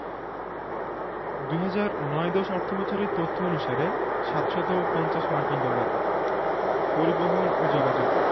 ২০০৯ ১০ অর্থবছরের তথ্য অনুসারে ৭৫০ মার্কিন ডলার পরিবহণ ও যোগাযোগঃ